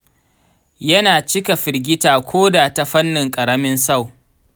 yana cika firgita ko da ta fannin ƙaramin sau